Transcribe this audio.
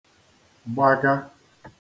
gbagā